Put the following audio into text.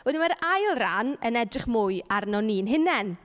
Wedyn mae'r ail ran yn edrych mwy arno ni'n hunain.